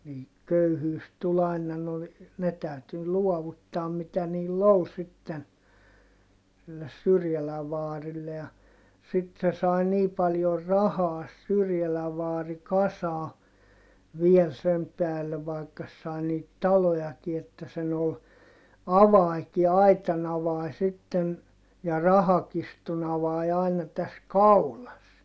niin köyhyys tuli aina no ne täytyi luovuttaa mitä niillä oli sitten sille Syrjälän vaarille ja sitten se sai niin paljon rahaa se Syrjälän vaari kasaan vielä sen päälle vaikka se sai niitä talojakin että sen oli avanenkin aitan avanen sitten ja rahakirstun avain aina tässä kaulassa